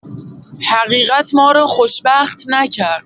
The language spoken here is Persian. حقیقت ما را خوشبخت نکرد.